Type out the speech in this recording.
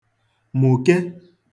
mụ̀ke